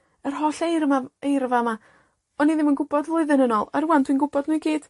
yr holl eira 'ma, eirfa 'ma, o'n i ddim yn gwbod flwyddyn yn ôl, a rŵan dwi'n gwbod nw i gyd.